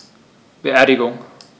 Beerdigung